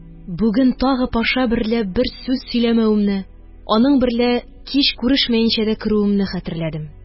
Бүген тагы паша берлә бер сүз сөйләмәвемне, аның берлә кич күрешмәенчә дә керүемне хәтерләдем